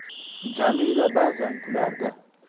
jamila ba'zan kulardi